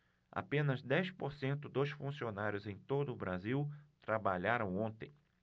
apenas dez por cento dos funcionários em todo brasil trabalharam ontem